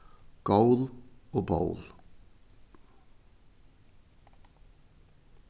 gól og ból